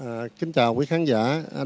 kính chào quý khán giả